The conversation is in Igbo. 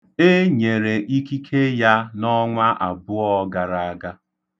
E nyere ikike ya n'ọnwa abụọ gara aga.